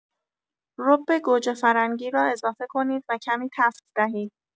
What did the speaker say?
رب گوجه‌فرنگی را اضافه کنید و کمی تفت دهید.